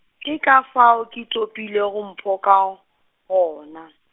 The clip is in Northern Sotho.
ke ka fao ke topilego Mpho ka, gona.